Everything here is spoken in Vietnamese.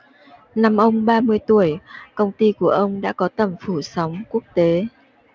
năm ông ba mươi tuổi công ty của ông đã có tầm phủ sóng quốc tế